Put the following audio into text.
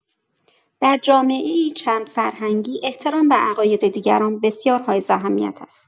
در جامعه‌ای چندفرهنگی، احترام به عقائد دیگران بسیار حائز اهمیت است.